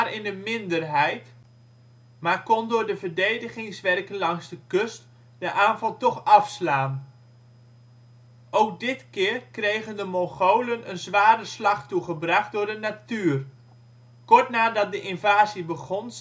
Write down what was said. in de minderheid, maar kon door de verdedigingswerken langs de kust de aanval toch afslaan. Ook dit keer kregen de Mongolen een zware slag toegebracht door de natuur. Kort nadat de invasie begon